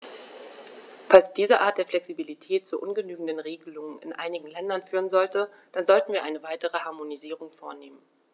Falls diese Art der Flexibilität zu ungenügenden Regelungen in einigen Ländern führen sollte, dann sollten wir eine weitere Harmonisierung vornehmen.